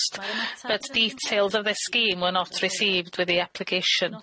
but details of this scheme were not received with the application.